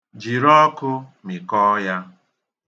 Jiri ọkụ mịkọọ ya.